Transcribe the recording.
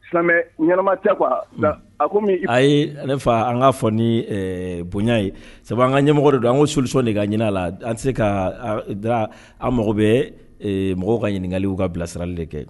Silamɛma a a ye ne fa an k'a fɔ ni bonya ye sabu an ka ɲɛmɔgɔ don an ko sosɔn de ka ɲinin a la an tɛ se k ka da an mago bɛ mɔgɔ ka ɲininkaliw ka bilasirali de kɛ